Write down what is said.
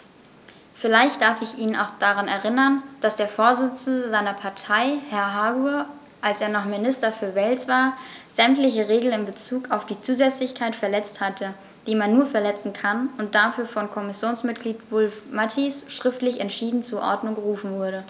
Vielleicht darf ich ihn auch daran erinnern, dass der Vorsitzende seiner Partei, Herr Hague, als er noch Minister für Wales war, sämtliche Regeln in bezug auf die Zusätzlichkeit verletzt hat, die man nur verletzen kann, und dafür von Kommissionsmitglied Wulf-Mathies schriftlich entschieden zur Ordnung gerufen wurde.